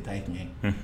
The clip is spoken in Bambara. N taa ye tiɲɛ ye